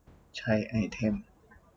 ใช้ไอเทม